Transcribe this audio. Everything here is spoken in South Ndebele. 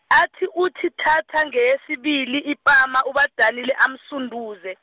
athi uthi thatha, ngeyesibili ipama uBadanile amsunduze.